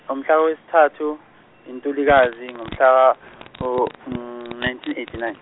mhla zintathu kuNtulikazi ngo- nineteen o- nineteen eighty nine.